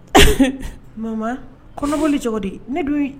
Mama kɔnɔbɔli cogo di ? Ne dun yi